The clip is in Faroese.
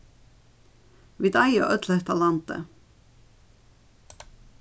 vit eiga øll hetta landið